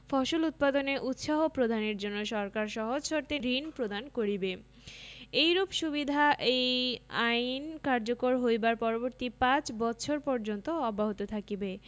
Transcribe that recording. ফসল উৎপাদনে উৎসাহ প্রদানের জন্য সরকার সহজ শর্তে ঋণ প্রদান করিবে এইরূপ সুবিধা এই আইন কার্যকর হইবার পরবর্তী পাঁচ ৫ বৎসর পর্যন্ত অব্যাহত থাকিবে